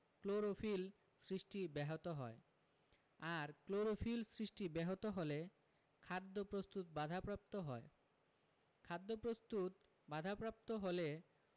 chlorophyll সৃষ্টি ব্যাহত হয় আর ক্লোরোফিল সৃষ্টি ব্যাহত হলে খাদ্য প্রস্তুত বাধাপ্রাপ্ত হয় খাদ্যপ্রস্তুত বাধাপ্রাপ্ত হলে